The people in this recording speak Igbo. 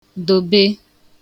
dòbe